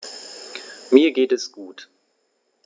Mir geht es gut.